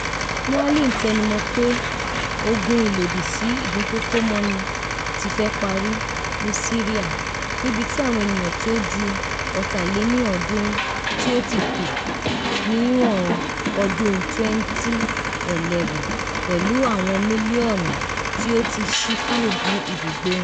Moualem tẹnumọ pe "ogun ilodisi idunkoko mọni ti fẹ pari" ni Siria, nibiti awọn eniyan ti o ju 360,000 ti o ti kú niwon 2011, pẹlu awọn milionu ti o ti ṣi kúrò ni ibugbe wọn.